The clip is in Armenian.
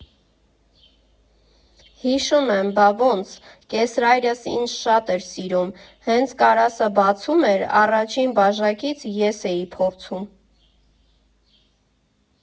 Հիշում եմ, բա ոնց, կեսրայրս ինձ շատ էր սիրում, հենց կարասը բացում էր, առաջին բաժակից ես էի փորձում։